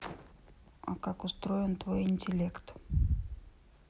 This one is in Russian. а как устроен твой интеллект